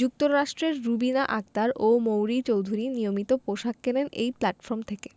যুক্তরাষ্ট্রের রুবিনা আক্তার ও মৌরি চৌধুরী নিয়মিত পোশাক কেনেন এই প্ল্যাটফর্ম থেকে